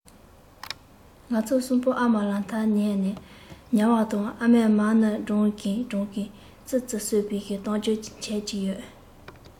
ང ཚོ གསུམ པོ ཨ མ ལ འཐམས ནས ཉལ བ དང ཨ མས མ ཎི བགྲང གིན བགྲང གིན ཙི ཙི གསོད པའི གཏམ རྒྱུད འཆད ཀྱི ཡོད